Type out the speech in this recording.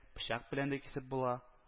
Пычак белән дә кисеп була